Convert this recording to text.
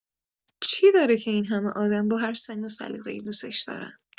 چی داره که این همه آدم با هر سن و سلیقه‌ای دوستش دارن؟